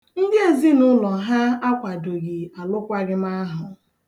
Ndị ezinụụlọ ha akwadoghị alụkwaghị m ahụ.